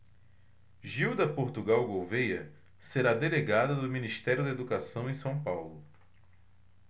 gilda portugal gouvêa será delegada do ministério da educação em são paulo